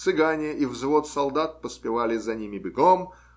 цыгане и взвод солдат поспевали за ними бегом.